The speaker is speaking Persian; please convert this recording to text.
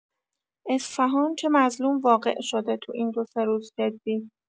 اصفهان چه مظلوم واقع‌شده تو این دو سه روز جدی